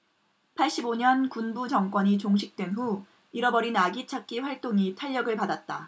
팔십 오 년 군부 정권이 종식된 후 잃어버린 아기 찾기 활동이 탄력을 받았다